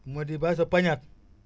Mody Ba sa Pagnate